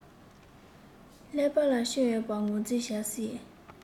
ཀླད པ ལ སྐྱོན ཡོད པ ངོས འཛིན བྱ སྲིད